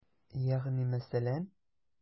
Ягъни мәсәлән?